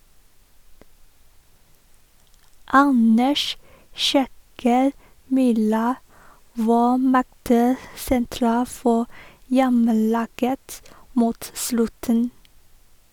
Anders Skiaker Myhra var meget sentral for hjemmelaget mot slutten.